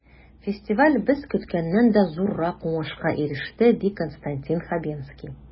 Фестиваль без көткәннән дә зуррак уңышка иреште, ди Константин Хабенский.